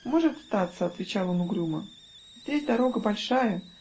-- "Может статься, -- отвечал он угрюмо, -- здесь дорога большая